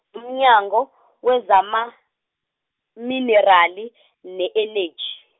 uMnyango wezamaMinerali ne-Eneji.